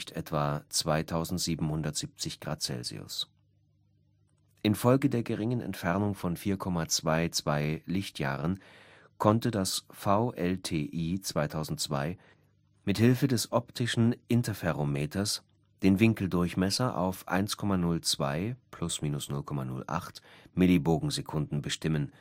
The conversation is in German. etwa 2770 °C). Infolge der geringen Entfernung von 4,22 Lj konnte das VLTI 2002 mit Hilfe des optischen Interferometers den Winkeldurchmesser auf 1,02 ± 0,08 mas (Millibogensekunden) bestimmen